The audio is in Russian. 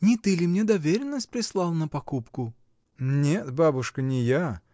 Не ты ли мне доверенность прислал на покупку? — Нет, бабушка, не я.